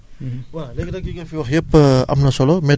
di ko ci roof di xool niveau tàngaay bi fu mu toll